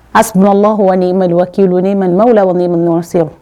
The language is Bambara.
Hasbounallahi wa ni mal wakil nimal Mawula wa nimal nasir